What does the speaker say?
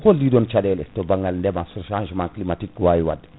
holɗiɗon caɗele to baggal deema so changement climatique wawi wadde